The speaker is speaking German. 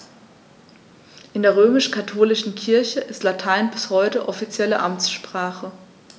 In der römisch-katholischen Kirche ist Latein bis heute offizielle Amtssprache.